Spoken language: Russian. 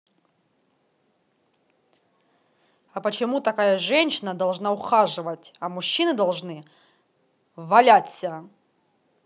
а почему такая женщина должна ухаживать а мужчины должны валяться